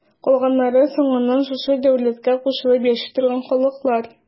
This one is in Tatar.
Калганнары соңыннан шушы дәүләткә кушылып яши торган халыклар.